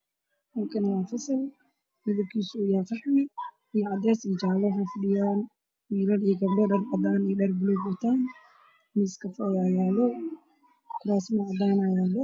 Waa arda badan oo Fasal fadhido waxey xiran yihiin dhar cadaan ah